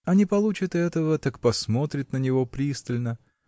а не получит этого, так посмотрит на него пристально